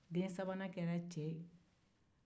den sabanana kɛra cɛ ye